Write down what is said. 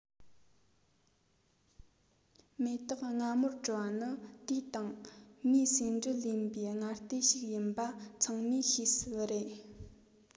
མེ ཏོག སྔ མོར བྲུལ བ ནི དུས དང མའི ཟེའུ འབྲུ ལེན པའི སྔ ལྟས ཤིག ཡིན པ ཚང མས ཤེས གསལ རེད